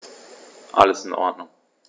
Alles in Ordnung.